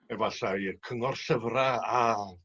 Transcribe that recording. efallai y Cyngor Llyfra a